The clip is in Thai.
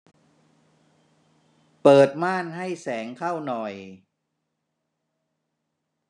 เปิดม่านให้แสงเข้าหน่อย